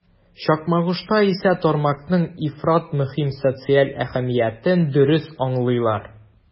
Чакмагышта исә тармакның ифрат мөһим социаль әһәмиятен дөрес аңлыйлар.